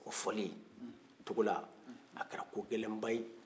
o fɔlen togola a kɛra ko gɛlɛnba ye